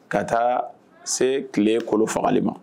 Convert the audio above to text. Ka taa se tile kolon fagali ma